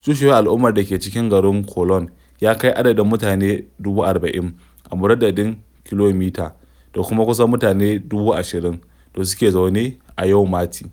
Cunkushewar al'ummar da ke cikin garin Kowloon ya kai adadin mutane 44,000 a murabba'in kilomita, da kuma kusan mutane 20,000 da suke zaune a Yau Ma Tei.